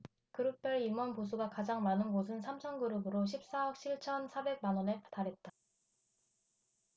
그룹별 임원 보수가 가장 많은 곳은 삼성그룹으로 십 사 억 칠 천 사백 만원에 달했다